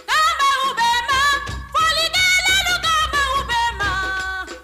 Den' bɛ fɛ wa tɛ tile tɛ' bɛ ba